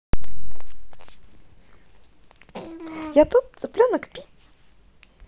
я тут цыпленок пи